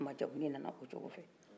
majamuli nana o cok fɛ